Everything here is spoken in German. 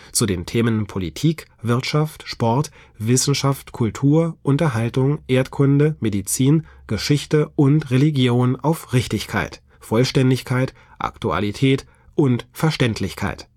zu den Themen Politik, Wirtschaft, Sport, Wissenschaft, Kultur, Unterhaltung, Erdkunde, Medizin, Geschichte und Religion auf Richtigkeit, Vollständigkeit, Aktualität und Verständlichkeit